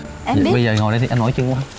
bây giờ ngồi đây đi anh mỏi chân quá